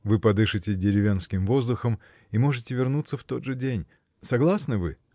вы подышите деревенским воздухом и можете вернуться в тот же день, -- согласны вы?